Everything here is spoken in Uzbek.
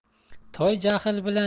toy jahl bilan